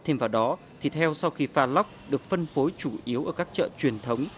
thêm vào đó thịt heo sau khi pha lóc được phân phối chủ yếu ở các chợ truyền thống